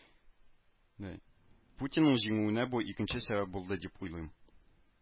Путинның җиңүенә бу икенче сәбәп булды дип уйлыйм